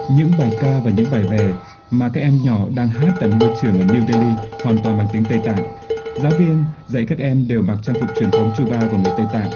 những bài ca và những bài vè mà các em nhỏ đang hát tại một ngôi trường ở niu đê li hoàn toàn bằng tiếng tây tạng giáo viên dạy các em đều mặc trang phục truyền thống chu ba của người tây tạng